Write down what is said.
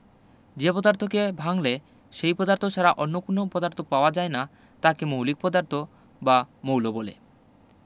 যে পদার্থকে ভাঙলে সেই পদার্থ ছাড়া অন্য কুনো পদার্থ পাওয়া যায় না তাকে মৌলিক পদার্থ বা মৌল বলে